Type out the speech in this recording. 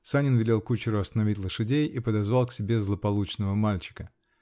Санин велел кучеру остановить лошадей и подозвал к себе "злополучного мальчика".